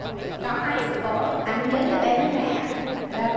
có hai sự cố anh giới thiệu em với mẹ ảnh ra tết